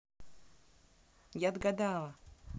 я отгадала